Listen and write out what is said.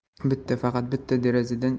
bitta faqat bitta derazadan